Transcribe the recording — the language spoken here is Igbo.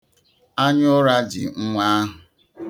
Anyaụra ji nwa ahụ.